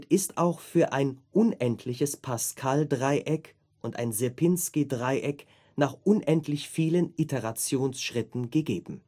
ist auch für ein unendliches Pascal-Dreieck und ein Sierpinski-Dreieck nach unendlich vielen Iterationsschritten gegeben